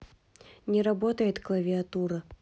не работает клавиатура